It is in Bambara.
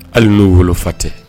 Hali n'u wolo fa tɛ